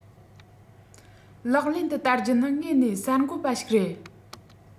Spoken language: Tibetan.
ལག ལེན དུ བསྟར རྒྱུ ནི དངོས གནས གསར འགོད པ ཞིག རེད